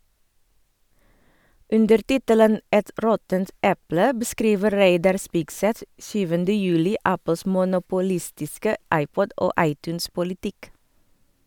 Under tittelen «Et råttent eple» beskriver Reidar Spigseth 7. juli Apples monopolistiske iPod- og iTunes-politikk.